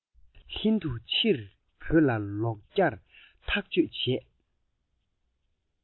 ལྷན དུ ཕྱིར བོད ལ ལོག རྒྱུར ཐག གཅོད བྱས